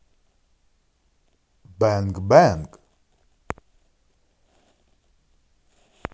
бэнг бэнг